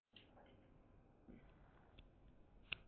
གཟི བརྗིད ལྡན པ ཞིག ཡིན